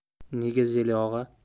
nega zeli og'a